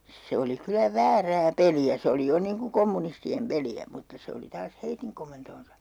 se oli kyllä väärää peliä se oli jo niin kuin kommunistien peliä mutta se oli taas heidän komentoansa